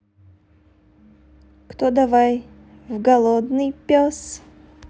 кто давай в голодный пес